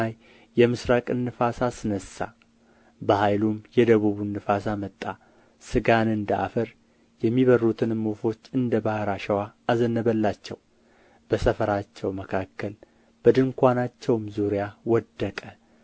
የምሥራቅን ነፋስ አስነሣ በኃይሉም የደቡብን ነፋስ አመጣ ሥጋን እንደ አፈር የሚበርሩትንም ወፎች እንደ ባሕር አሸዋ አዘነበላቸው በሰፈራቸው መካከል በድንኳናቸውም ዙሪያ ወደቀ